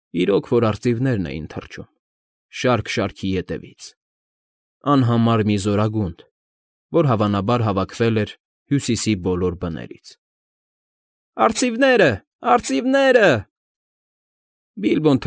Իրոք որ արծիվներն էին թռչում, շարք֊շարքի ետևից, անհամար մի զորագունդ, որ հավանաբար հավաքվել էր Հյուսիսի բոլոր բներից։ ֊ Արծիվնե՜րը… Արծիվնե՜րը…֊ Բիլբոն։